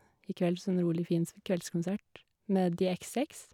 I kveld, sånn rolig, fin s kveldskonsert med The xx.